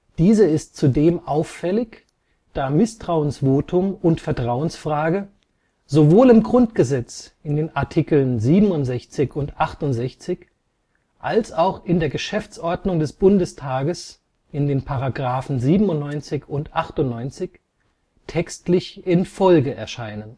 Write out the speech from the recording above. Diese ist zudem auffällig, da Misstrauensvotum und Vertrauensfrage sowohl im Grundgesetz (Art. 67 u. 68) als auch in der Geschäftsordnung des Bundestags (§ 97 u. 98) textlich in Folge erscheinen